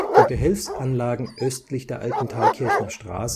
Die Behelfsanlagen östlich der alten Thalkirchner Straße